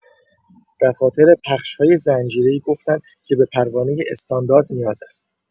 دفاتر پخش‌های زنجیره‌ای گفتند که به پروانه استاندارد نیاز است.